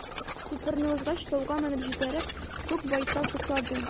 Күперне узгач, тауга менеп җитәрәк, күк байтал туктады.